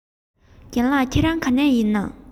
རྒན ལགས ཁྱེད རང ག ནས ཡིན ན